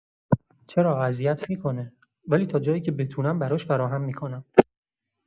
چرا اذیت می‌کنه، ولی تا جایی که بتونم براش فراهم می‌کنم.